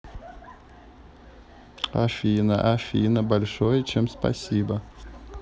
афина афина большое чем спасибо